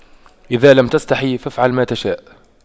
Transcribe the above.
اذا لم تستحي فأفعل ما تشاء